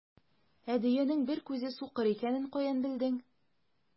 Ә дөянең бер күзе сукыр икәнен каян белдең?